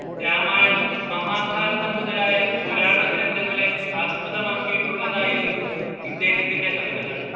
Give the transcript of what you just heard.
രാമായണം മഹാഭാരതം മുതലായ പുരാണഗ്രന്ഥങ്ങളെ ആസ്പദമാക്കിയിട്ടുള്ളതായിരുന്നു ഇദ്ദേഹത്തിന്റെ കവിതകൾ